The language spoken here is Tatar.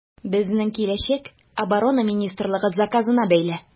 Безнең киләчәк Оборона министрлыгы заказына бәйле.